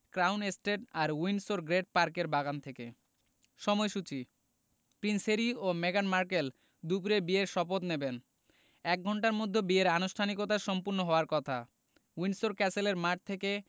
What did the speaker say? crown estate আর Windsor Great পার্কের বাগান থেকে সময়সূচি প্রিন্স হ্যারি ও মেগান মার্কেল দুপুরে বিয়ের শপথ নেবেন এক ঘণ্টার মধ্যে বিয়ের আনুষ্ঠানিকতা সম্পন্ন হওয়ার কথা উইন্ডসর ক্যাসেলের মাঠ থেকে